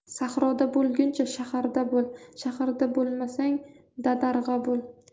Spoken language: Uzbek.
sahroda bo'lguncha shaharda bo'l shaharda bo'lmasang badarg'a bo'l